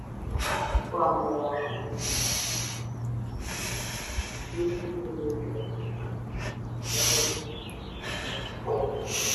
Waa muraaxad midabkeedu yahay madoow